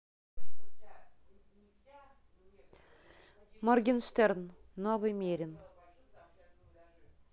моргенштерн новый мерин